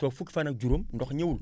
toog fukki fan ak juróom ndaox ñëwul